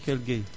Kelle Gueye